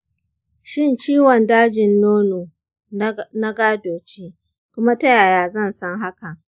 shin ciwon dajin nono na gado ce, kuma ta yaya zan san hakan?